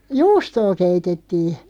juustoa keitettiin